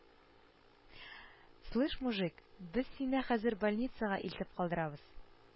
- слышь, мужик, без сине хәзер больницага илтеп калдырабыз